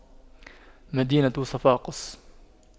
مدينة صفاقس